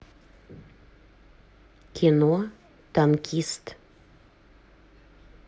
кино танкист